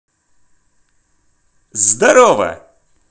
здорово